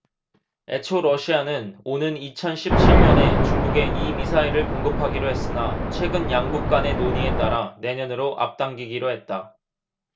애초 러시아는 오는 이천 십 칠 년에 중국에 이 미사일을 공급하기로 했으나 최근 양국 간의 논의에 따라 내년으로 앞당기기로 했다